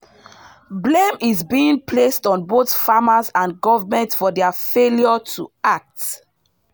Blame is being placed on both farmers and governments for their failure to act.